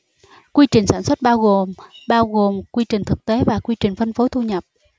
quy trình sản xuất bao gồm bao gồm quy trình thực tế và quy trình phân phối thu nhập